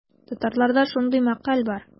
Татарларда шундый мәкаль бар.